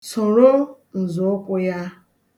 Soro nzọụkwụ ya.